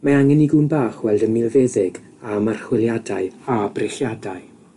Mae angen i gŵn bach weld y milfeddyg am archwiliadau a brechiadau.